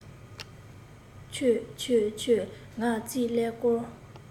ཁྱོད ཁྱོད ཁྱོད ང རྩིས ཀླད ཀོར